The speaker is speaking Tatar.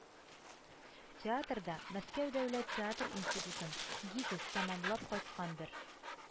Театрда мәскәү дәүләт театр институтын (гитис) тәмамлап кайткан бер